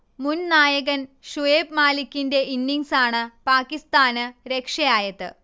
മുൻ നായകൻ ഷുഐബ് മാലിക്കിന്റെ ഇന്നിങ്സാണ് പാകിസ്താന് രക്ഷയായത്